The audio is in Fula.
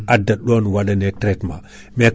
kanko o renata ko awdi